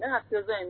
Ne fɛnbɛn